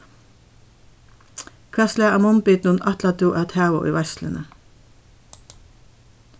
hvat slag av munnbitum ætlar tú at hava í veitsluni